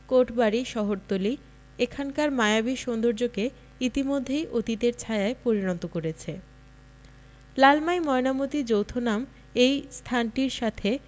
কোটবাড়ি শহরতলি এখানকার মায়াবী সৌন্দর্যকে ইতোমধ্যেই অতীতের ছায়ায় পরিণত করেছে লালমাই ময়নামতী যৌথনাম এ স্থানটির সাথে